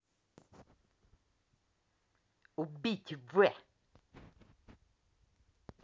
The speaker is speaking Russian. убить в